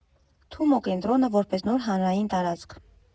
ԹՈՒՄՈ ԿԵՆՏՐՈՆԸ ՈՐՊԵՍ ՆՈՐ ՀԱՆՐԱՅԻՆ ՏԱՐԱԾՔ։